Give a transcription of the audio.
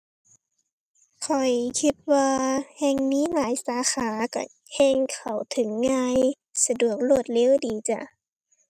ข้อยคิดว่าแฮ่งมีหลายสาขา ก็แฮ่งเข้าถึงง่ายสะดวกรวดเร็วดีจ้ะ